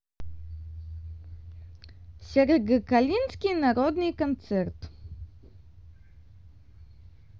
сергокалинский народный концерт